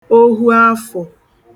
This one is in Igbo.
ohu afọ̀